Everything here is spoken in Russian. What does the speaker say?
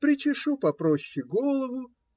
Причешу попроще голову.